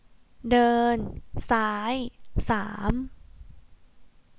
เดินซ้ายสาม